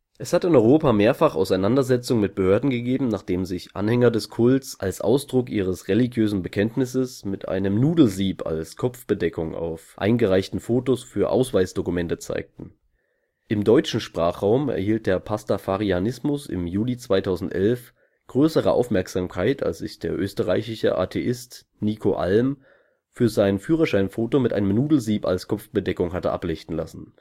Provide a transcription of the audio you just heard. Es hat in Europa mehrfach Auseinandersetzungen mit Behörden gegeben, nachdem sich Anhänger des Kults als Ausdruck ihres religiösen Bekenntnisses mit einem Nudelsieb als Kopfbedeckung auf eingereichten Fotos für Ausweisdokumente zeigten. Im deutschen Sprachraum erhielt der Pastafarianismus im Juli 2011 größere Aufmerksamkeit, als sich der österreichische Atheist Niko Alm für sein Führerscheinfoto mit einem Nudelsieb als Kopfbedeckung hatte ablichten lassen